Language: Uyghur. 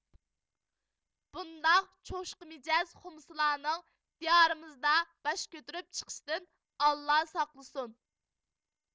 بۇنداق چوشقا مىجەز خۇمسىلارنىڭ دىيارىمىزدا باش كۆتۈرۈپ چىقىشىدىن ئاللا ساقلىسۇن